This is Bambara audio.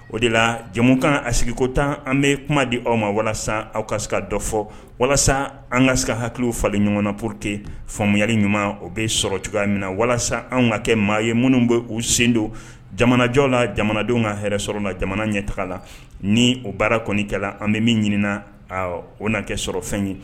O de la jamukan a sigiko tan an bɛ kuma di aw ma walasa aw ka se a dɔ fɔ walasa an ka se hakiliw falen ɲɔgɔnna porote faamuyayari ɲuman o bɛ sɔrɔ cogoya min na walasa an ka kɛ maa ye minnu bɛ u sen don jamanajɔ la jamanadenw ka hɛrɛ sɔrɔ la jamana ɲɛ taga la ni o baara kɔnikɛla an bɛ min ɲini o na kɛ sɔrɔ fɛn ye